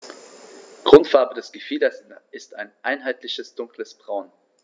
Grundfarbe des Gefieders ist ein einheitliches dunkles Braun.